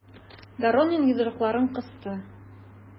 Доронин йодрыкларын кысты.